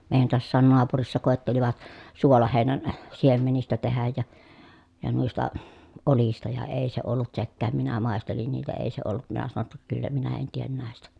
meidän taassakin naapurissa koettelivat suolaheinän siemenistä tehdä ja ja noista oljista ja ei se ollut sekään minä maistelin niitä ei se ollut minä sanoin jotta kyllä minä en tee näistä